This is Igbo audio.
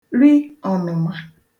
ri ọ̀nụ̀mà